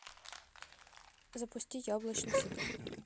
запусти яблочный сидр